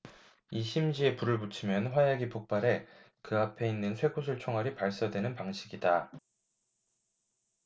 이 심지에 불을 붙이면 화약이 폭발해 그 앞에 있는 쇠구슬 총알이 발사되는 방식이다